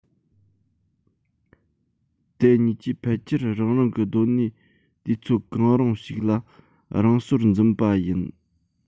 དེ གཉིས ཀྱིས ཕལ ཆེར རང རང གི སྡོད གནས དུས ཚོད གང རིང ཞིག ལ རང སོར འཛིན པ ཡིན